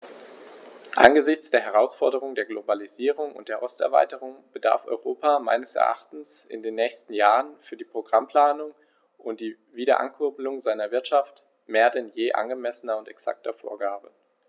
Angesichts der Herausforderung der Globalisierung und der Osterweiterung bedarf Europa meines Erachtens in den nächsten Jahren für die Programmplanung und die Wiederankurbelung seiner Wirtschaft mehr denn je angemessener und exakter Vorgaben.